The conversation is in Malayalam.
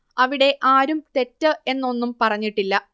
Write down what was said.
അവിടെ ആരും തെറ്റ് എന്നൊന്നും പറഞ്ഞിട്ടില്ല